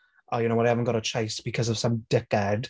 "Oh you know well I haven't got a choice because some dickhead."